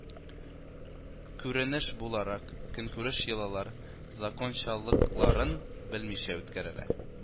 Күренеш буларак, көнкүреш йолалар закончалыкларын белмичә үткәрелә